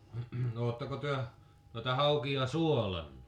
oletteko te noita haukia suolannut